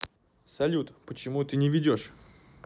салют почему ты не ведешь